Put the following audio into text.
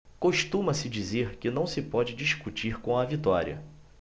costuma-se dizer que não se pode discutir com a vitória